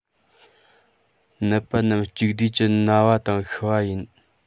ནད པ རྣམས གཅིག བསྡུས ཀྱིས ན བ དང ཤི བ ཡིན